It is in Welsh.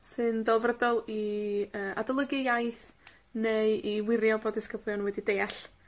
sy'n delfrydol i, yy, adolygu iaith, neu i wirio bo' disgyblion wedi deall